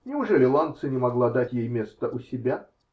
-- Неужели Ланци не могла дать ей место у себя?